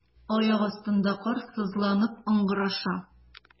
Аяк астында кар сызланып ыңгыраша.